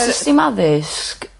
Yr system addysg.